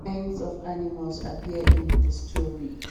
What kinds of animals appear in the story?,